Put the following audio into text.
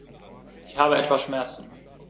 Ich habe etwas Schmerzen.